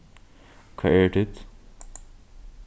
hvar eru tit